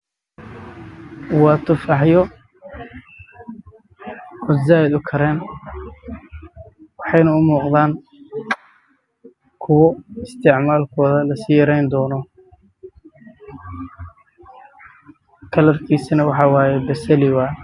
Waa tufaax ah midabkiis yahay jaalo basali